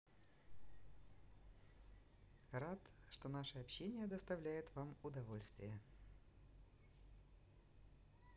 рад что наше общение доставляет вам удовольствие